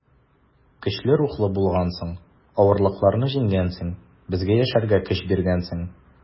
Көчле рухлы булгансың, авырлыкларны җиңгәнсең, безгә яшәргә көч биргәнсең.